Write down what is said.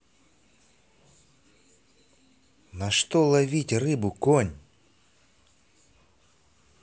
на что ловить рыбу конь